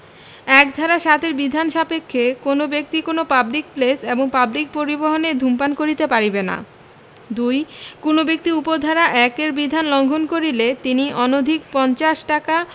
১ ধারা ৭ এর বিধান সাপেক্ষে কোন ব্যক্তি কোন পাবলিক প্লেস এবং পাবলিক পরিবহণে ধূমপান করিতে পারিবেন না ২ কোন ব্যক্তি উপ ধারা ১ এর বিধান লংঘন করিলে তিনি অনধিক পঞ্চাশ টাকা